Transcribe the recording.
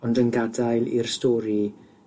ond yn gadael i'r stori